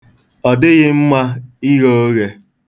Ọ dịghị mma ighe oghe.